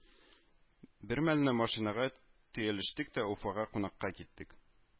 Бермәлне машинага төялештек тә Уфага кунакка киттек